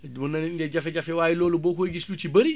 mën na leen indil ay jafe-jafe waaye loolu boo koy gis lu ci bari